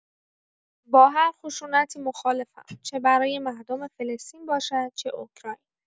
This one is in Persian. با هر خشونتی مخالفم چه برای مردم فلسطین باشد چه اوکراین.